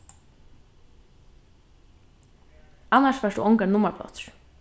annars fært tú ongar nummarplátur